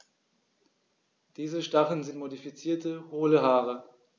Diese Stacheln sind modifizierte, hohle Haare.